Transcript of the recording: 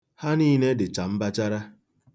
Ha niile dicha mbachara.